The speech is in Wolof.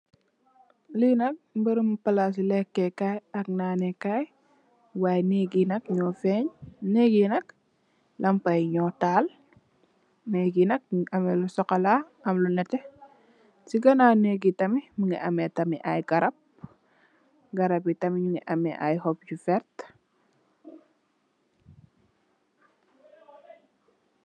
Lee nak meremu plase leke kaye ak naane kaye way neege nak nu feng neege nak lampa ye nu taal neege nak nuge ameh lu sukola am lu neteh se ganaw neege tamin muge ameh tamin aye garab garab ye tamin nuge ameh aye hopp yu verte.